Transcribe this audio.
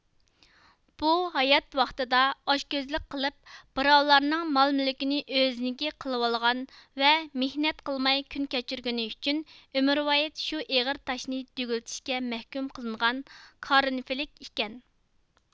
بۇ ھايات ۋاقتىدا ئاچ كۆزلۈك قىلىپ بىراۋلارنىڭ مال مۈلىكىنى ئۆزىنىڭكى قىلىۋالغان ۋە مېھنەت قىلماي كۈن كەچۈرگىنى ئۈچۈن ئۆمۈرۋايەت شۇ ئېغىر تاشنى دۈگىلىتىشكە مەھكۇم قىلىنغان كارىنفلىك ئىكەن